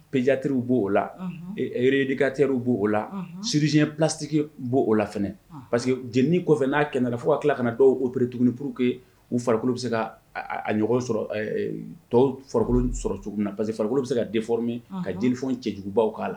Perejateriw b'o larekaterw b'o oo la ssiyɲɛ ptiki b' oo la parce que jelieni kɔfɛ n'a kɛnɛ fo ka tila kana dɔw oo pere tuguniuniorour que u farikolokolo bɛ se ka a ɲɔgɔn tɔw farikolo sɔrɔ cogo na parce que farikolo bɛ se ka deoro min ka jelifɔw cɛjugubaw k'a la